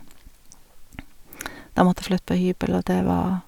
Da måtte jeg flytte på hybel, og det var...